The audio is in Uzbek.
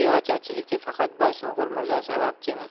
yu ocharchilikka faqat boysunqur mirzo sababchimi